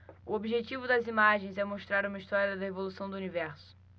o objetivo das imagens é mostrar uma história da evolução do universo